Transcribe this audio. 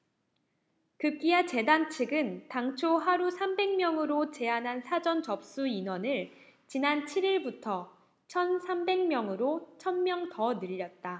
급기야 재단 측은 당초 하루 삼백 명으로 제한한 사전 접수 인원을 지난 칠 일부터 천 삼백 명으로 천 명 더 늘렸다